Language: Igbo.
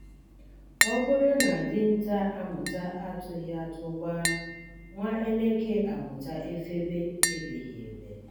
Ọ bụrụ na dinta amụta atụghị atụ gbaa, nwa eneke amụta efebe ebeghị ebe